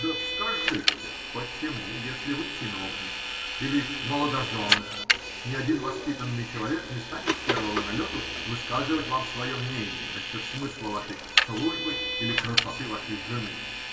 Да скажите: почему, если вы чиновник или молодожен, ни один воспитанный человек не станет с первого налету высказывать вам свое мнение насчет смысла вашей службы или красоты вашей жены